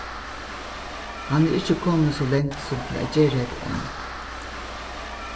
hann er ikki komin so langt sum til at gera hetta enn